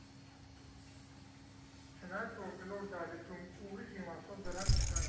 Չնայած, որ կլոր դահլիճում ուղիղ իմաստով դրանք չկային։